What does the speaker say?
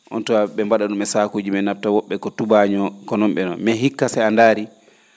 on tuma ?e mba?a ?um e sakuuji ?e na?ta wo??e ko tubaañoo ko noon ?e noon mais hikka si a ndaarii